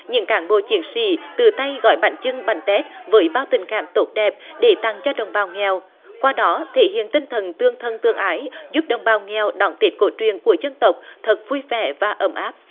những cán bộ chiến sĩ tự tay gói bánh chưng bánh tét với bao tình cảm tốt đẹp để tặng cho đồng bào nghèo qua đó thể hiện tinh thần tương thân tương ái giúp đồng bào nghèo đón tết cổ truyền của dân tộc thật vui vẻ và ấm áp